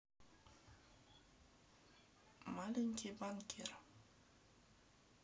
маленький банкир